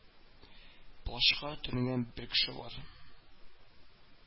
Плащка төренгән бер кеше бар